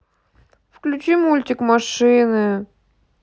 включи мультик машины